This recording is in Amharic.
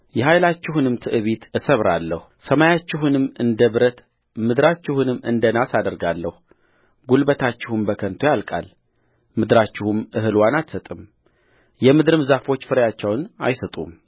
የኃይላችሁንም ትዕቢት እሰብራለሁ ሰማያችሁንም እንደ ብረት ምድራችሁንም እንደ ናስ አደርጋለሁጕልበታችሁም በከንቱ ያልቃል ምድራችሁም እህልዋን አትሰጥም የምድርም ዛፎች ፍሬአቸውን አይሰጡም